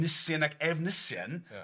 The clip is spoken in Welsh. Nisien ac Efnisien. Ia.